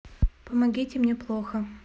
помогите мне плохо